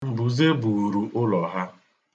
Mbuze buuru ụlọ ha.